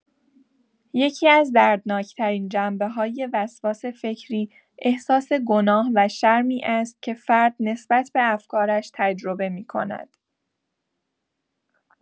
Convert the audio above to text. یکی‌از دردناک‌ترین جنبه‌های وسواس فکری، احساس گناه و شرمی است که فرد نسبت به افکارش تجربه می‌کند.